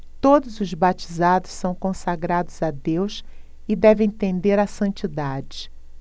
todos os batizados são consagrados a deus e devem tender à santidade